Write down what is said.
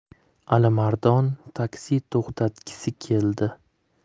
alimardon taksi to'xtatgisi keldi